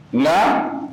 Na